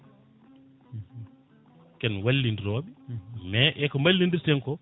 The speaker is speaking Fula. ken wallidiroɓe mais eko ballodirten ko